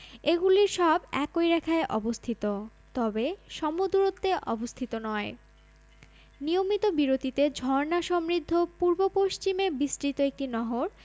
এগুলির সব একই রেখায় অবস্থিত তবে সম দূরত্বে অবস্থিত নয় নিয়মিত বিরতিতে ঝর্ণা সমৃদ্ধ পূর্ব পশ্চিমে বিস্তৃত একটি নহর